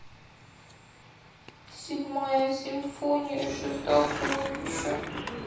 седьмая симфония шестаковича